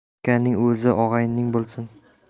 urishganing o'z og'ayning bo'lsin